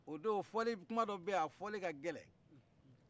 o don fɔli kuma dɔ bey a fɔli ka gɛlɛ